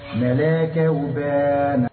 Kɛlɛ u bɛ na